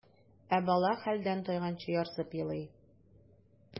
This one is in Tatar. Ә бала хәлдән тайганчы ярсып елый.